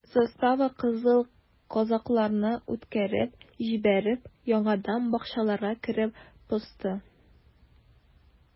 Застава, кызыл казакларны үткәреп җибәреп, яңадан бакчаларга кереп посты.